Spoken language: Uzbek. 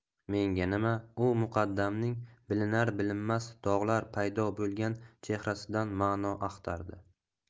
menga nima u muqaddamning bilinar bilinmas dog'lar paydo bo'lgan chehrasidan ma'no axtardi